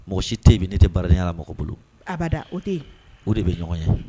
Mɔgɔ si tɛ bɛ ne tɛ barayara mɔgɔ bolo a b'da o o de bɛ ɲɔgɔn ye